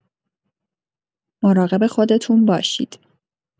مراقب خودتون باشید!